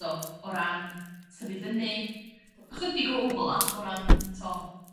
Do o ran tyfu fyny. Ychydig o overlap o ran t'o'